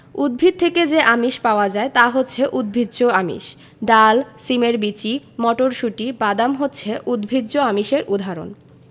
উদ্ভিদ থেকে যে আমিষ পাওয়া যায় তা উদ্ভিজ্জ আমিষ ডাল শিমের বিচি মটরশুঁটি বাদাম হচ্ছে উদ্ভিজ্জ আমিষের উদাহরণ